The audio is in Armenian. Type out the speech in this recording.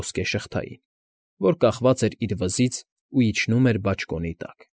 Ոսկե շղթային, որ կախված էր իր վզից ու իջնում էր բաճկոնի տակ։֊